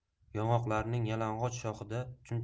yong'oqlarning yalang'och shoxida